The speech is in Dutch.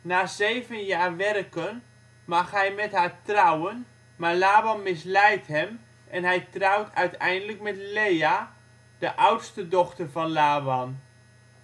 Na zeven jaar werken mag hij met haar trouwen, maar Laban misleidt hem en hij trouwt uiteindelijk met Lea, de oudste dochter van Laban.